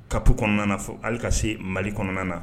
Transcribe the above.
Kato kɔnɔna na fɔ hali ka se mali kɔnɔna na